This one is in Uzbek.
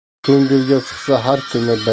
ko'ngilga sig'sa har kuni